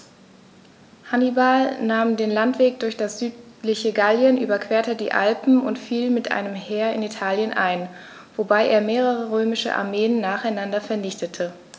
Hannibal nahm den Landweg durch das südliche Gallien, überquerte die Alpen und fiel mit einem Heer in Italien ein, wobei er mehrere römische Armeen nacheinander vernichtete.